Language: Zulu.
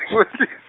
weslis-.